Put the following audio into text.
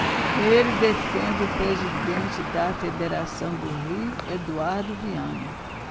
ele defende o presidente da federação do rio eduardo viana